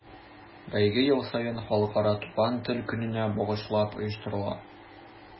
Бәйге ел саен Халыкара туган тел көненә багышлап оештырыла.